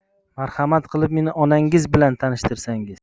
marhamat qilib meni onangiz bilan tanishtirsangiz